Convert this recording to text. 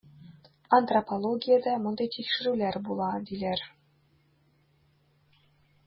Антропологиядә мондый тикшерүләр була, диләр.